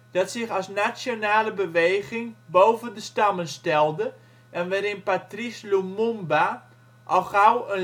dat zich als nationale beweging boven de stammen stelde, en waarin Patrice Lumumba al gauw